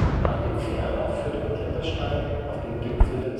Nach dem Ferner führt ein Klettersteig auf den Gipfel der